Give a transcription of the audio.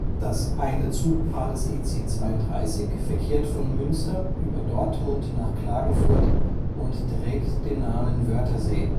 Das eine Zugpaar des EC 32 verkehrt von Münster über Dortmund nach Klagenfurt und trägt den Namen Wörthersee